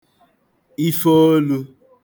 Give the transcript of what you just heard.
ifeolū